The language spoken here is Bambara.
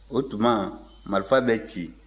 o tuma marifa bɛ ci